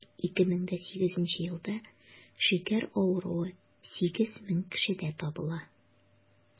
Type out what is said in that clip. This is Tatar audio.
2008 елда шикәр авыруы 8 мең кешедә табыла.